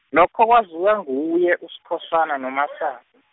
lokho kwaziwa nguye kuSkhosana noMasa- .